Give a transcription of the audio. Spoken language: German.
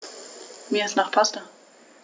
Mir ist nach Pasta.